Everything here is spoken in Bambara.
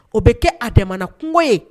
O bɛ kɛ a daman kungo ye!